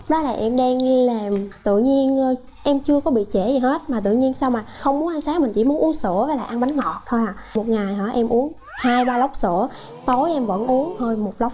đó là em đang làm tự nhiên em chưa có bị trễ hết mà tự nhiên sao mà không muốn ăn sáng mình chỉ muốn uống sữa ăn bánh ngọt thôi à một ngày hả em uống hai ba lốc sữa tối em vẫn uống hơn một lốc